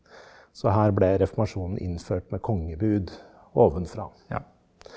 så her ble reformasjonen innført med kongebud ovenfra.